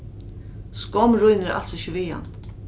skomm rínur als ikki við hann